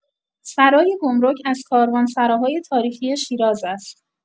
سرای گمرک از کاروانسراهای تاریخی شیراز است.